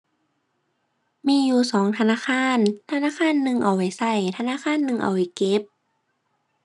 มีอยู่สองธนาคาร ธนาคารหนึ่งเอาไว้ใช้ ธนาคารหนึ่งเอาไว้เก็บ